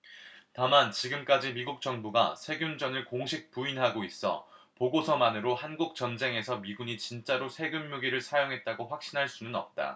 다만 지금까지 미국 정부가 세균전을 공식 부인하고 있어 보고서만으로 한국전쟁에서 미군이 진짜로 세균무기를 사용했다고 확신할 수는 없다